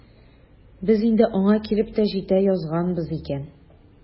Без инде аңа килеп тә җитә язганбыз икән.